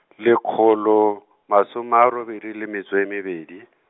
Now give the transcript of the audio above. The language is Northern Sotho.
lekgolo, masome a robedi le metšo e mebedi.